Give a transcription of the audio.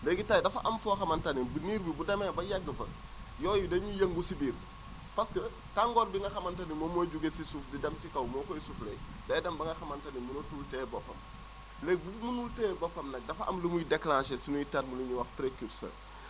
léegi tey dafa am foo xamante ni niir bi bu demee ba yegg fa yooyu dañuy yëngu si biir parce que tàngoor bi nga xamante ni moom mooy jugee si suuf di dem si kaw moo koy soufflé day dem ba nga xamante ni mënatul téye boppam léegi bu munul téye boppam nag dafa am lu muy déclenché sunuy termes lu énuy wax précurseurs